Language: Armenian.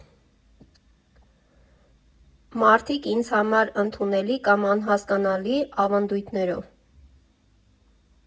Մարդիկ՝ ինձ համար ընդունելի կամ անհասկանալի ավանդույթներով։